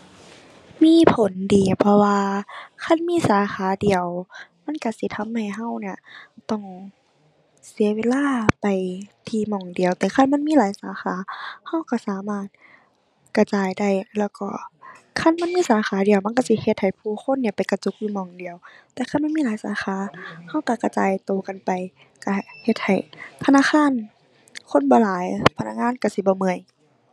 มีผลดี เพราะว่าคันมีสาขาเดียวมันก็สิทำให้ก็เนี่ยต้องเสียเวลาไปที่หม้องเดียว ก็คันมันมีหลายสาขาก็ก็สามารถกระจายได้แล้วก็คันมันมีสาขาเดียวมันก็สิเฮ็ดให้ผู้คนเนี่ยไปกระจุกอยู่หม้องเดียว แต่คันมันมีหลายสาขา ก็ก็กระจายก็กันไปก็เฮ็ดให้ธนาคารคนบ่หลาย พนักงานก็สิบ่เมื่อย